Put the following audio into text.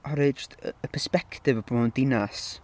Oherwydd jyst y persbectif o bod mewn dinas...